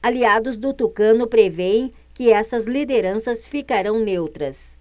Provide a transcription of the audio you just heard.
aliados do tucano prevêem que essas lideranças ficarão neutras